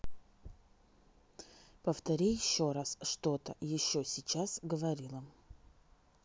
повтори еще раз что то еще сейчас говорила